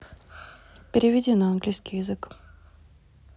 перейти на английский язык